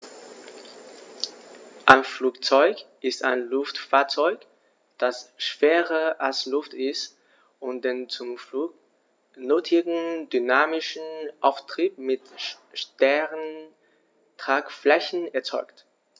Ein Flugzeug ist ein Luftfahrzeug, das schwerer als Luft ist und den zum Flug nötigen dynamischen Auftrieb mit starren Tragflächen erzeugt.